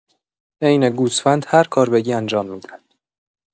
عین گوسفند هر کار بگی انجام می‌دن